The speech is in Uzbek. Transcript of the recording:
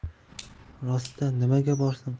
rostda nimaga borsin